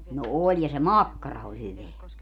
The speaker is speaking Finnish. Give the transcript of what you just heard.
no oli ja se makkara oli hyvää